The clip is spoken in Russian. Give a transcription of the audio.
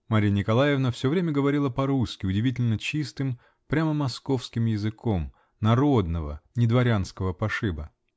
Марья Николаевна все время говорила по-русски удивительно чистым прямо московским языком -- народного, не дворянского пошиба.